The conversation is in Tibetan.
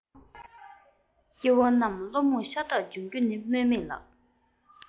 སྐྱེ བོ རྣམས བློ རྨོངས ཤ སྟག འབྱུང རྒྱུ ནི སྨོས མེད ལགས